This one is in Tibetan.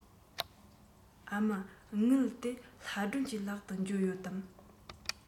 ཨ མ དངུལ དེ ལྷ སྒྲོན གྱི ལག ཏུ འབྱོར ཡོད དམ